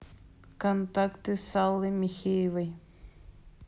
контакты с аллой михеевой